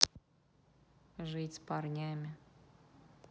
жить с парнями